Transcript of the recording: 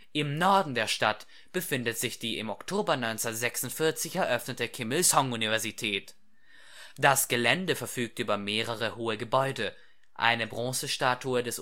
Im Norden der Stadt befindet sich die im Oktober 1946 eröffnete Kim-Il-sung-Universität. Das Gelände verfügt über mehrere hohe Gebäude, eine Bronzestatue der Universitätsstifters